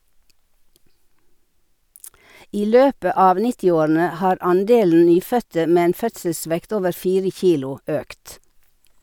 I løpet av nittiårene har andelen nyfødte med en fødselsvekt over fire kilo økt.